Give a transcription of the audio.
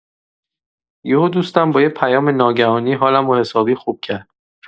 یهو دوستم با یه پیام ناگهانی حالمو حسابی خوب کرد.